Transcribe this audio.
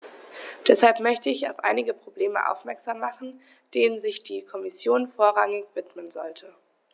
Deshalb möchte ich auf einige Probleme aufmerksam machen, denen sich die Kommission vorrangig widmen sollte.